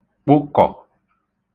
kpụkọ̀